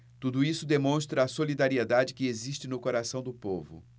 tudo isso demonstra a solidariedade que existe no coração do povo